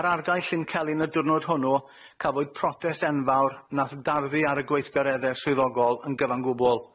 Ar argae Llyn Celyn y diwrnod hwnnw, cafwyd protest enfawr nath darfu ar y gweithgaredde swyddogol yn gyfan gwbl.